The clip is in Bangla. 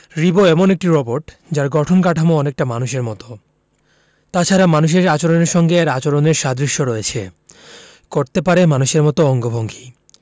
রিবো এমন এক রোবট যার গঠন কাঠামো অনেকটাই মানুষের মতো তাছাড়া মানুষের আচরণের সঙ্গে এর আচরণের সাদৃশ্য রয়েছে করতে পারে মানুষের মতো অঙ্গভঙ্গি